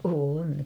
on